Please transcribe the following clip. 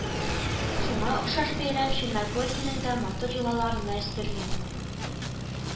Шуңа охшаш бәйрәм Черногориянең дә матур йолаларына өстәлгән